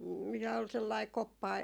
- mitä oli sellainen koppa